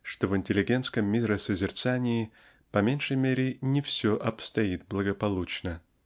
что в интеллигентском миросозерцании по меньшей мере не все обстоит благополучно.